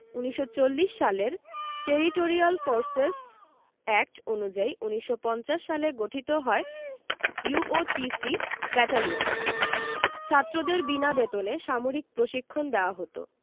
১৯৪০ সালের territorial forces act অনুযায়ী ১৯৫০ সালে গঠিত হয় ইউওটিসি ব্যাটালিয়ন ছাত্রদের বিনা বেতনে সামরিক প্রশিক্ষণ দেওয়া হতো